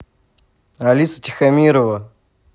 алиса тихомирова